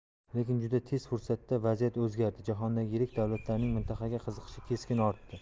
lekin juda tez fursatda vaziyat o'zgardi jahondagi yirik davlatlarning mintaqaga qiziqishi keskin ortdi